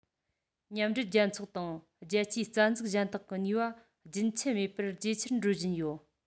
མཉམ འབྲེལ རྒྱལ ཚོགས དང རྒྱལ སྤྱིའི རྩ འཛུགས གཞན དག གི ནུས པ རྒྱུན ཆད མེད པར ཇེ ཆེར འགྲོ བཞིན ཡོད